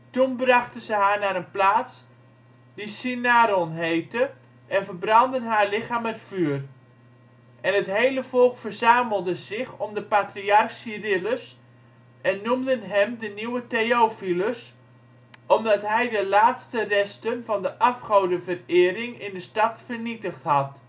Toen brachten ze haar naar een plaats, die Cinaron heette, en verbrandden haar lichaam met vuur. En het hele volk verzamelde zich om de patriarch Cyrillus en noemden hem de nieuwe Theophilus, omdat hij de laatste resten van de afgodenverering in de stad vernietigd had